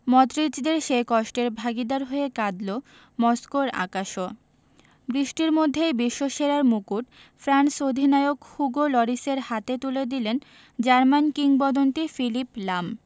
মডরিচদের সেই কষ্টের ভাগিদার হয়ে কাঁদল মস্কোর আকাশও বৃষ্টির মধ্যেই বিশ্বসেরার মুকুট ফ্রান্স অধিনায়ক হুগো লরিসের হাতে তুলে দিলেন জার্মান কিংবদন্তি ফিলিপ লাম